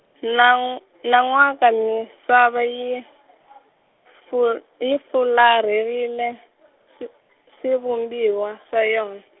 nan'w- nan'waka misava yi , fur- yi fularherile, sw- swivumbiwa swa yona.